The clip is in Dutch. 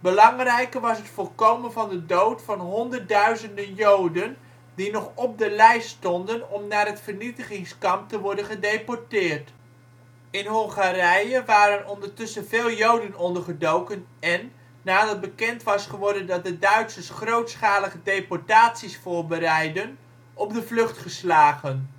Belangrijker was het voorkomen van de dood van honderdduizenden Joden die nog op de lijsten stonden om naar het vernietigingskamp te worden gedeporteerd. In Hongarije waren ondertussen veel Joden ondergedoken en, nadat bekend was geworden dat de Duitsers grootschalige deportaties voorbereidden, op de vlucht geslagen.